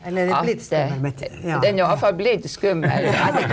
eller er blitt skummel med ja, ja .